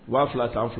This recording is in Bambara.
Waa fila tan fila